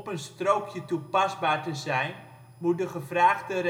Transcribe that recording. een strookje toepasbaar te zijn, moet de gevraagde